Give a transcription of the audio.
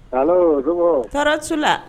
Kalan dɔgɔ tɔɔrɔso la